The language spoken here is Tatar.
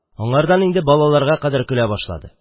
Аңардан инде балаларга кадәр көлә башлады.